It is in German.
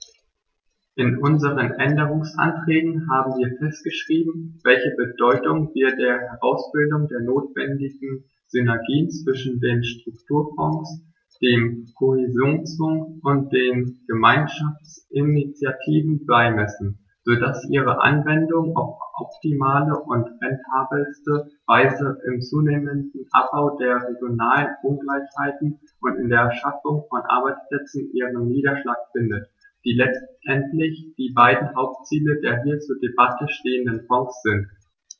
In unseren Änderungsanträgen haben wir festgeschrieben, welche Bedeutung wir der Herausbildung der notwendigen Synergien zwischen den Strukturfonds, dem Kohäsionsfonds und den Gemeinschaftsinitiativen beimessen, so dass ihre Anwendung auf optimale und rentabelste Weise im zunehmenden Abbau der regionalen Ungleichheiten und in der Schaffung von Arbeitsplätzen ihren Niederschlag findet, die letztendlich die beiden Hauptziele der hier zur Debatte stehenden Fonds sind.